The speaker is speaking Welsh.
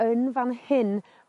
yn fan hyn